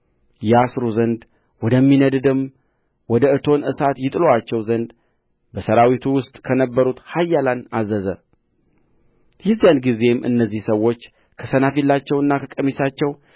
ያስሩ ዘንድ ወደሚነድድም ወደ እቶን እሳት ይጥሉአቸው ዘንድ በሠራዊቱ ውስጥ ከነበሩት ኃያላን አዘዘ የዚያን ጊዜም እነዚህ ሰዎች ከሰናፊላቸውና ከቀሚሳቸው